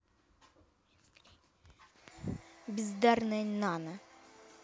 бездарная нана